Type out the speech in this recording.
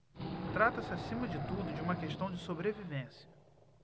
trata-se acima de tudo de uma questão de sobrevivência